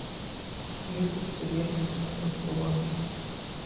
клипы с карьерными самосвалами